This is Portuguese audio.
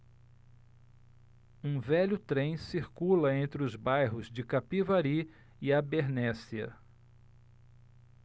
um velho trem circula entre os bairros de capivari e abernéssia